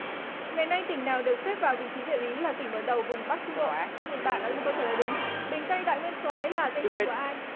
ngày nay tỉnh nào được xếp vào vị trí địa lý là tỉnh mở đầu vùng bắc trung bộ chúc mừng bạn đã có một câu trả lời đúng bình tây đại nguyên soái là danh xưng của ai